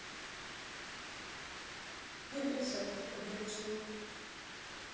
и присятку подрачил